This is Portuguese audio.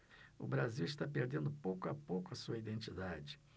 o brasil está perdendo pouco a pouco a sua identidade